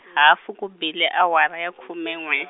hafu ku bile awara ya khume n'we.